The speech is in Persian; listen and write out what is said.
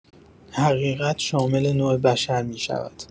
حقیقت شامل نوع بشر می‌شود.